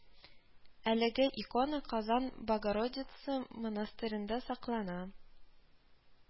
Әлеге икона Казан Богородица монастырендә саклана